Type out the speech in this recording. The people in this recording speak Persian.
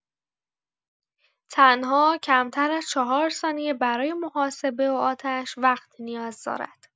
تنها کمتر از ۴ ثانیه برای محاسبه و آتش وقت نیاز دارد.